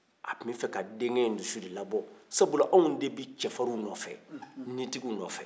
a tun b'a fɛ ka denkɛ in dusu de labɔ sabula anw de bɛ cɛfarinw nɔfɛ ɲintigiw nɔfɛ